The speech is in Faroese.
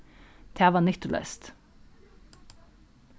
tað varð nyttuleyst